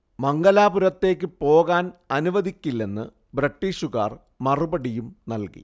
മംഗലാപുരത്തേക്ക് പോകാൻ അനുവദിക്കില്ലെന്ന് ബ്രിട്ടീഷുകാർ മറുപടിയും നൽകി